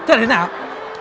chơi thế nào